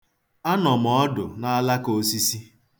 Anọ m ọdụ n'alakaosisi.